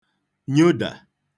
nyodà